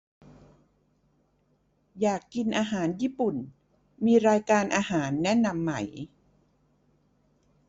อยากกินอาหารญี่ปุ่นมีรายการอาหารแนะนำไหม